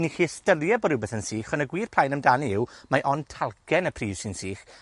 ni 'llu ystyried bo' rwbeth yn sych, ond y gwir plaen amdani yw, mae ond talcen y pridd sy'n sych.